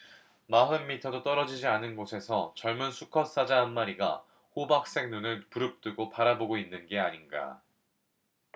마흔 미터도 떨어지지 않은 곳에서 젊은 수컷 사자 한 마리가 호박색 눈을 부릅뜨고 바라보고 있는 게 아닌가